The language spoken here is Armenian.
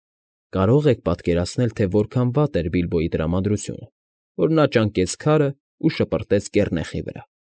Կարո՞ղ եք պատկերացնել, թե որքան վատ էր Բիլբոյի տրամադրությունը, որ նա ճանկեց քարն ու շպրտեց կեռնեխի վրա։